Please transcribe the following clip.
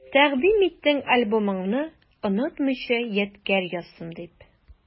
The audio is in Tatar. Тәкъдим иттең альбомыңны, онытмыйча ядкарь язсын дип.